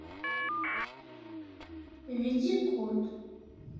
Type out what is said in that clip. введи код